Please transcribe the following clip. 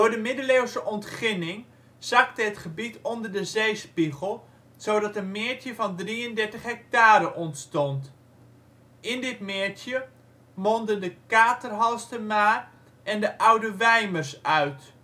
de middeleeuwse ontginning zakte het gebied onder de zeespiegel, zodat een meertje van 33 ha ontstond. In dit meertje mondden het Katerhalstermaar en de Oude Wijmers uit